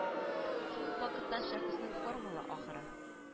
Шул ук вакытта шәхеснең формала ахыры